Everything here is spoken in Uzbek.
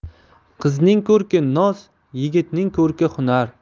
qizning ko'rki noz yigitning ko'rki hunar